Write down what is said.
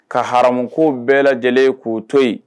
Ka ha bɛɛ lajɛlen k'o to yen